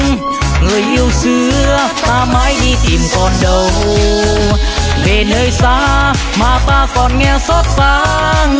người yêu xưa ta mãi đi tìm còn đâu về nơi xa lòng ta càng thêm xót xa người ơi